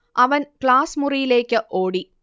അവൻ ക്ലാസ് മുറിയിലേക്ക് ഓടി